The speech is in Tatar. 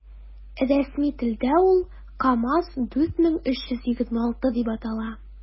Рәсми телдә ул “КамАЗ- 4326” дип атала.